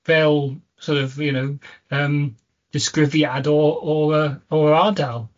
fel sor' of you know, yym, disgrifiad o o'r yy, o'r ardal.